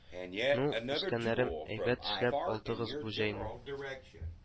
Ну, үскәннәрем, әйбәт эшләп алдыгыз бу җәйне